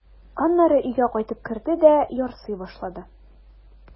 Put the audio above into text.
Аннары өйгә кайтып керде дә ярсый башлады.